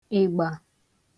ìgbà